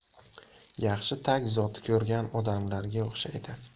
yaxshi tag zoti ko'rgan odamlarga o'xshaydi